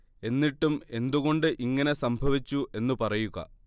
എന്നിട്ടും എന്ത് കൊണ്ട് ഇങ്ങനെ സംഭവിച്ചു എന്ന് പറയുക